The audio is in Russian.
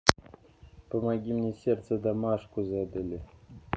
помоги мне сердце домашку задали